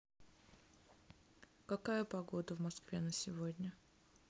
какая погода в москве на сегодня